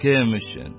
Кем өчен?